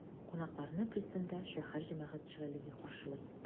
Кунакларны пристаньда шәһәр җәмәгатьчелеге каршылый.